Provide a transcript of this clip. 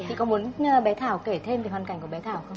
chị có muốn bé thảo kể thêm về hoàn cảnh của bé thảo không